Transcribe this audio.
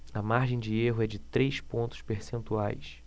a margem de erro é de três pontos percentuais